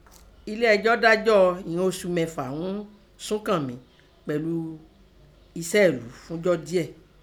hlé ẹjọ́ dájọ́ ẹ̀ghọ̀n osù mẹ́fà ún Súnkànmí pẹ̀lú eṣẹ́ẹ̀lú fún ijọ́ díẹ̀.